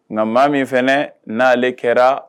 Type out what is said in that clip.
Nka maa min fana n'ale kɛra